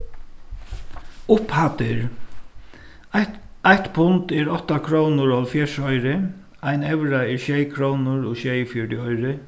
upphæddir eitt eitt pund er átta krónur og hálvfjerðs oyru ein evra er sjey krónur og sjeyogfjøruti oyru